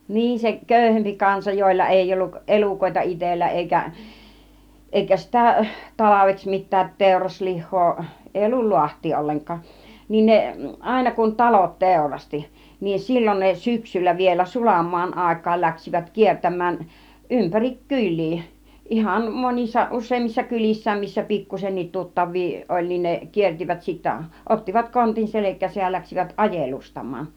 niin se köyhempi kansa joilla ei ollut elukoita itsellä eikä eikä sitä talveksi mitään teuraslihaa ei ollut laahtia ollenkaan niin ne aina kun talot teurasti niin silloin ne syksyllä vielä sulan maan aikaan lähtivät kiertämään ympäri kyliä ihan monissa useammissa kylissä missä pikkuisenkin tuttavia oli niin ne kiersivät sitten ottivat kontin selkäänsä ja lähtivät ajelustamaan